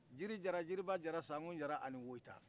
jiri jara jiriba jara sangon jara ani woyita